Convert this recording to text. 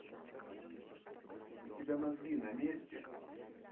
у тебя мозги на месте